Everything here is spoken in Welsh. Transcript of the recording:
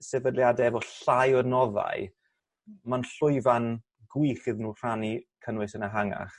sefydliade efo llai o adnoddau ma'n llwyfan gwych iddyn n'w rhannu cynnwys yn ehangach.